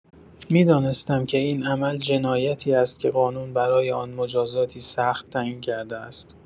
می‌دانستم که این عمل جنایتی است که قانون برای آن مجازاتی سخت تعیین کرده است.